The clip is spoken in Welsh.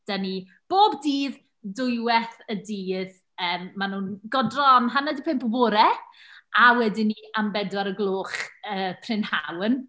Dan ni bob dydd, dwywaith y dydd, yym, maen nhw'n godro am hanner 'di pump y bore a wedyn ni am bedwar y gloch y prynhawn.